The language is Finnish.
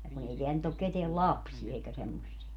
ja kun ei täällä nyt ole ketään lapsia eikä semmoisia